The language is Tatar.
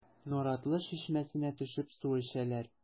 Наратлы чишмәсенә төшеп су эчәләр.